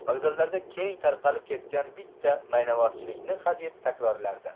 vokzallarda keng tarqalib ketgan bitta maynavozchilikni hadeb takrorlardi